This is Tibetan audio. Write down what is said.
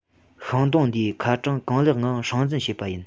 ཤིང སྡོང འདིའི ཁ གྲངས གང ལེགས ངང སྲུང འཛིན བྱེད པ ཡིན